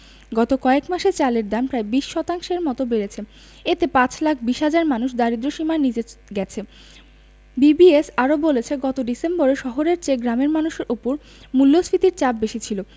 গত কয়েক মাসে চালের দাম প্রায় ৩০ শতাংশের মতো বেড়েছে এতে ৫ লাখ ২০ হাজার মানুষ দারিদ্র্যসীমার নিচে গেছে বিবিএস আরও বলেছে গত ডিসেম্বরে শহরের চেয়ে গ্রামের মানুষের ওপর মূল্যস্ফীতির চাপ বেশি ছিল